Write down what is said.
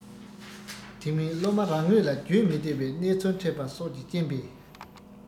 དེ མིན སློབ མ རང ངོས ལ བརྗོད མི བདེ བའི གནས ཚུལ འཕྲད པ སོགས ཀྱི རྐྱེན པས